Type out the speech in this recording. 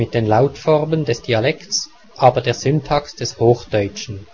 den Lautformen des Dialekts, aber der Syntax des Hochdeutschen